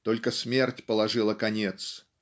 только смерть положила конец